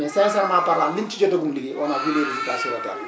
mais sincèrement parlant li ñu ci jotagum liggéey on a vu les résultats sur le terrain